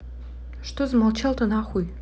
что замолчал то нахуй